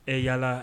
Yaa